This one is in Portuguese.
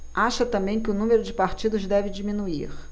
acha também que o número de partidos deve diminuir